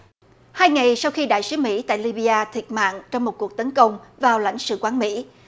hai ngày sau khi đại sứ mỹ tại li bi a thiệt mạng trong một cuộc tấn công vào lãnh sự quán mỹ